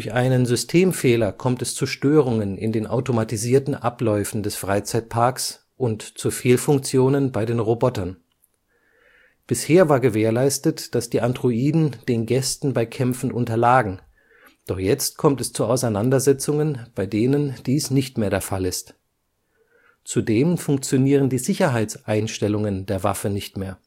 einen Systemfehler kommt es zu Störungen in den automatisierten Abläufen des Freizeitparks und zu Fehlfunktionen bei den Robotern. Bisher war gewährleistet, dass die Androiden den Gästen bei Kämpfen unterlagen, doch jetzt kommt es zu Auseinandersetzungen, bei denen dies nicht mehr der Fall ist. Zudem funktionieren die Sicherheitseinstellungen der Waffen nicht mehr